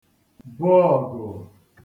bo ọ̀gụ̀